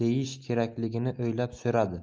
deyish kerakligini o'ylab so'radi